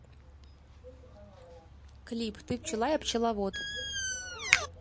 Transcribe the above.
клип ты пчела я пчеловод